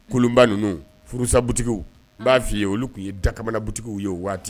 Kolonba ninnu furusa butigiw n b'a f fɔi ye olu tun ye dakamana butigiww ye waati